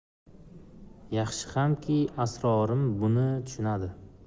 yaxshi xamki asrorim buni tushunadi